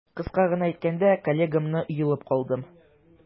Кыска гына әйткәндә, коллегамны йолып калдым.